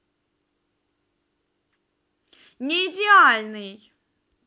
неидеальный